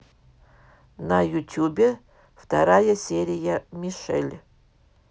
на ютюбе вторая серия мишель